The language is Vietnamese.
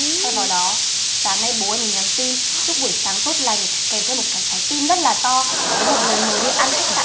thay vào đó sáng nay bố em ý nhắn tin chúc buổi sáng tốt lành kèm theo một cái trái tim rất là to